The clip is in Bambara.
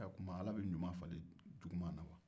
o tuma ala bɛ ɲuman falen juguman na wa